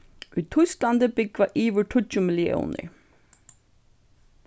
í týsklandi búgva yvir tíggju milliónir